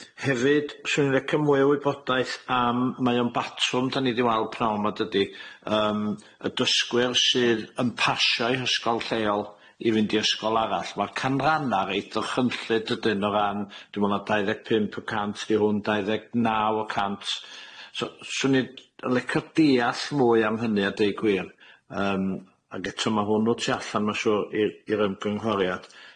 Hefyd, 'swn i'n licio mwy o wybodaeth am, mae o'n batrwm 'dan ni 'di weld pnawn 'ma dydi, yym y dysgwyr sydd yn pasio eu hysgol lleol, i fynd i ysgol arall, ma'r canranna'n reit o ddychrynllyd 'dydyn, o ran, dwi'n me'wl na dau ddeg pump y cant i rhwng dau ddeg naw y cant, so 'swn i'n l- licio deall mwy am hynny a deud gwir yym ag eto ma' hwnnw tu allan ma'n siŵr i'r i'r ymgynghoriad.